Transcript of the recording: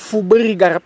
fu bëri garab